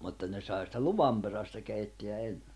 mutta ne sai sitä luvan perästä keittää ennen